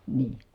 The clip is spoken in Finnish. niin